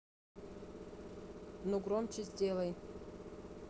ну громче сделай